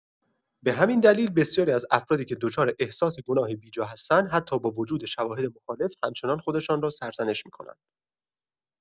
به همین دلیل، بسیاری از افرادی که دچار احساس گناه بی‌جا هستند، حتی با وجود شواهد مخالف، همچنان خودشان را سرزنش می‌کنند.